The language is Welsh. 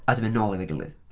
A wedyn mynd nôl efo'i gilydd.